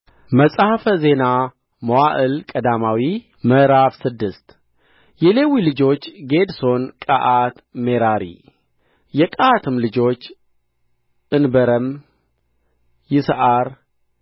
መጽሐፈ ዜና መዋዕል ቀዳማዊ ምዕራፍ ስድስት የሌዊ ልጆች ጌድሶን ቀዓት ሜራሪ የቀዓትም ልጆች እንበረም ይስዓር